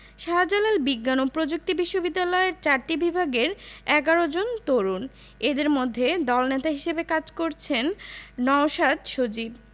শাহজালাল বিজ্ঞান ও প্রযুক্তি বিশ্ববিদ্যালয়ের চারটি বিভাগের ১১ জন তরুণ এদের মধ্যে দলনেতা হিসেবে কাজ করেছেন নওশাদ সজীব